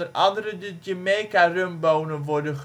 Rumbonen worden gemaakt